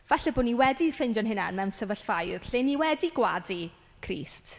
Falle bo' ni wedi ffeindio'n hunain mewn sefyllfaoedd lle ni wedi gwadu Crist.